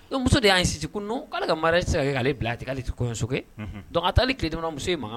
O muso de y'an sisinti kun k'ale ka mara saraka' ale bila a tigɛ ale tɛ kɔɲɔso taa tileredimuso in ma